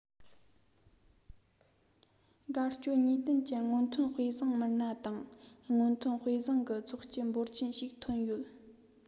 དགའ སྐྱོ གཉིས ལྡན གྱི སྔོན ཐོན དཔེ བཟང མི སྣ དང སྔོན ཐོན དཔེ བཟང གི ཚོགས སྤྱི འབོར ཆེན ཞིག ཐོན ཡོད